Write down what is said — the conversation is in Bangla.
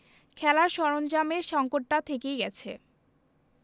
খেলার সরঞ্জামের সংকটটা থেকেই গেছে